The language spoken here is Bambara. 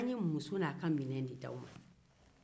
an ye muso n'a ka minɛn de di aw ma